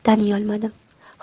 taniy olmadim